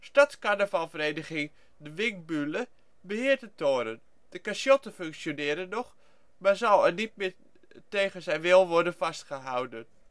Stadscarnavalsvereniging " De Winkbülle " beheert de toren. De cachotten functioneren nog, maar zal er niet meer tegen zijn wil in worden vastgehouden